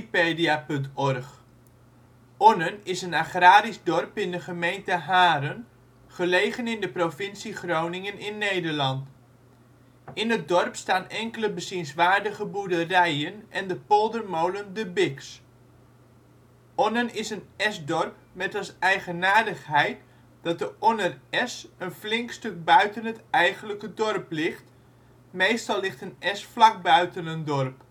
9 ' NB, 6 38 ' OL Onnen Plaats in Nederland Situering Provincie Groningen Gemeente Haren Coördinaten 53° 9′ NB, 6° 38′ OL Portaal Nederland Onnen is een agrarisch dorp in de gemeente Haren, gelegen in de provincie Groningen in Nederland. In het dorp staan enkele bezienswaardige boerderijen en de poldermolen De Biks. Onnen is een esdorp met als eigenaardigheid dat de Onner es een flink stuk buiten het eigenlijke dorp ligt (meestal ligt een es vlak buiten een dorp